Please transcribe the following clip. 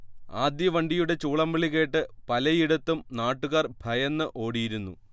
ആദ്യവണ്ടിയുടെ ചൂളം വിളികേട്ട് പലയിടത്തും നാട്ടുകാർ ഭയന്ന് ഓടിയിരുന്നു